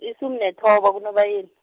isumi nethoba kuNobayeni.